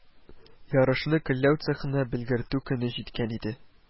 Ярышны көлләү цехына белгертү көне җиткән иде